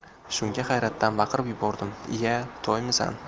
shunda hayratdan baqirib yubordim iya toymisan